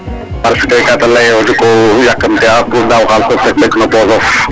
Parce que ka ta lay ee ndiko yakamti a pour daaw xaalisof ret ɓek no poosof